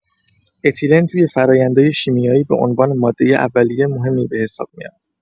اتیلن توی فرایندای شیمیایی به عنوان ماده اولیه مهمی به‌حساب میاد.